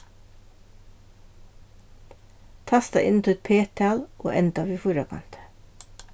tasta inn títt p-tal og enda við fýrakanti